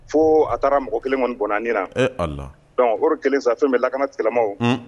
Fo a taara mɔgɔ kelen kɔnni bɔnnɛ a ni la,e Ala, donc o de kɛlen sa, fɛn min ye lakanatigilamaaw, Un